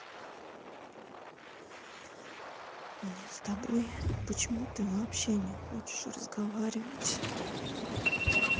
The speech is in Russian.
мне с тобой почему ты вообще не хочешь разговаривать